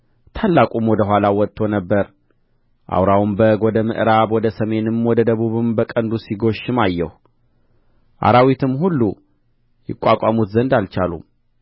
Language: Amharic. ታላቁም ወደ ኋላው ወጥቶ ነበር አውራውም በግ ወደ ምዕራብ ወደ ሰሜንም ወደ ደቡብም በቀንዱ ሲጐሽም አየሁ አራዊትም ሁሉ ይቋቋሙት ዘንድ አልቻሉም